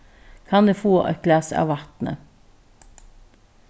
kann eg fáa eitt glas av vatni